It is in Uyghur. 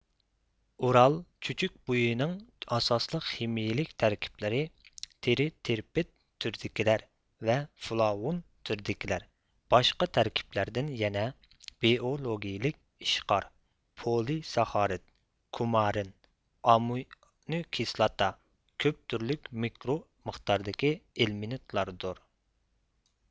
ئۇرال چۈچۈكبۇيىنىڭ ئاساسلىق خىمىيىلىك تەركىبلىرى ترىترپىت تۈرىدىكىلەر ۋە فلاۋون تۈرىدىكىلەر باشقا تەركىبلەردىن يەنە بىئولوگىيىلىك ئىشقار پولى ساخارىد كۇمارىن ئامىنو كىسلاتا كۆپ تۈرلۈك مىكرو مىقداردىكى ئېلېمېنتلاردۇر